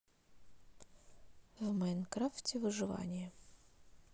в майнкрафте выживание